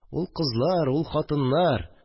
Ул кызлар, ул хатыннар